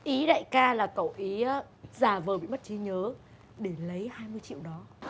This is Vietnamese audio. ý đại ca là cậu ý giả vờ mất trí nhớ để lấy hai mươi triệu đó